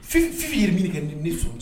Fi ye min kɛ ni ne sɔn